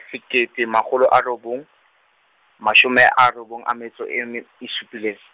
sekete makgolo a robong, mashome a robong a metso e mme e supileng.